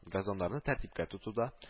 Газоннарны тәртипкә тотуда